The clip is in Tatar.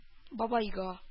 Бабайга